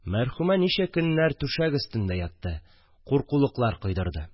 Мәрхүмә ничә көннәр түшәк өстендә ятты, куркулыклар койдырды